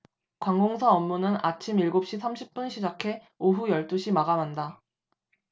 관공서 업무는 아침 일곱 시 삼십 분 시작해 오후 열 두 시 마감한다